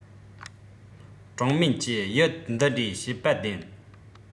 ཀྲང མན གྱིས གཡུ འདི འདྲའི བཤད པ བདེན